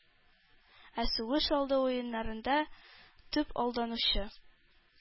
Ә сугыш алды уеннарында төп алданучы,